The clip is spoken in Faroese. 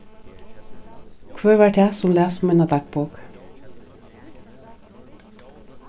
hvør var tað sum las mína dagbók